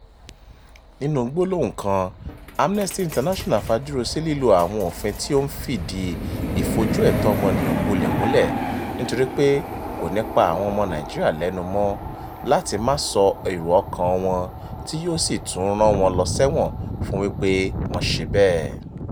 Nínú gbólóhùn kan, Amnesty International fajúro sí lílo "àwọn òfin tí ó ń fìdìí ìfojú ẹ̀tọ́ ọmọnìyàn gbolẹ̀ múlẹ̀ " nítorí pé kò ní pa àwọn ọmọ Nàìjíríà lẹ́nu mọ́ "láti máà sọ èrò ọkàn-an wọn" tí yóò sì tún "rán wọn lọ s'ẹ́wọ̀n fún wípé wọ́n ṣe bẹ́ẹ̀ ".